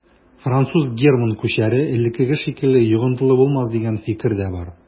Француз-герман күчәре элеккеге шикелле йогынтылы булмас дигән фикер дә бар.